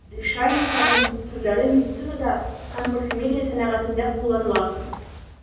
Лишайникларның күп төрләре медицинада һәм парфюмерия сәнәгатендә кулланыла.